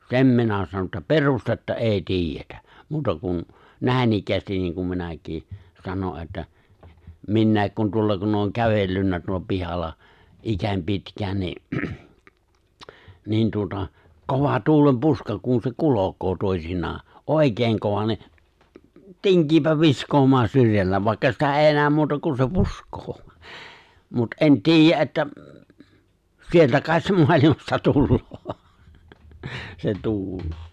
sen minä sanon että perustetta ei tiedetä muuta kuin näinikään niin kun minäkin sanon että minäkin kun tuolla kun olen kävellyt tuolla pihalla ikäni pitkään niin niin tuota kova tuulenpuuska kun se kulkee toisinaan oikein - kova niin tinkii viskaamaan syrjällä vaikka sitä ei näe muuta kuin se puskee mutta en tiedä että sieltä kai se maailmasta tulee se tuuli